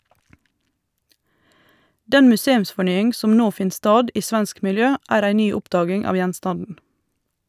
Den museumsfornying som nå finn stad i svensk miljø er ei ny oppdaging av gjenstanden.